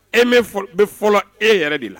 E bɛ fɔlɔ e yɛrɛ de la